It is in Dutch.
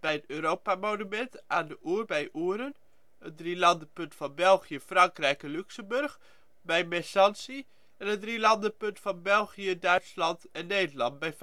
bij het Europamonument aan de Our bij Ouren een drielandenpunt van België, Frankrijk en Luxemburg bij Messancy een drielandenpunt van België, Duitsland en Nederland bij Vaals